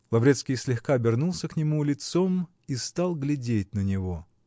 Лаврецкий слегка обернулся к нему лицом и стал глядеть на него.